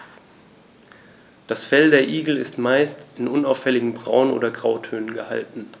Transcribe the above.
Das Fell der Igel ist meist in unauffälligen Braun- oder Grautönen gehalten.